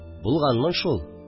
Булганмын шул